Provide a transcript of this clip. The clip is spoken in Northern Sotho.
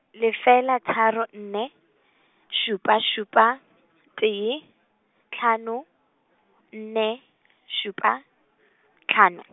lefela tharo nne, šupa šupa , tee, hlano, nne, šupa, hlano.